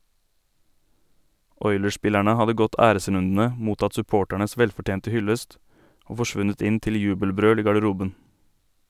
Oilers-spillerne hadde gått æresrundene, mottatt supporternes velfortjente hyllest og forsvunnet inn til jubelbrøl i garderoben.